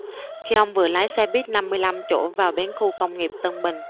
khi ông vừa lái xe buýt năm mươi lăm chỗ vào bến khu công nghiệp tân bình